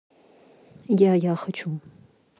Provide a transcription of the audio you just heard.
я я хочу